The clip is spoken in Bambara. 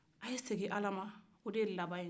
a ye segin ala ma o de ye laban ye